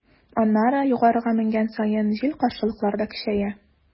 Аннары, югарыга менгән саен, җил-каршылыклар да көчәя.